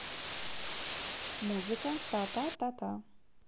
музыка та та та та